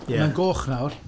Ie... Mae'n goch nawr.